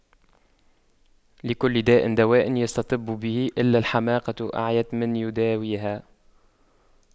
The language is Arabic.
لكل داء دواء يستطب به إلا الحماقة أعيت من يداويها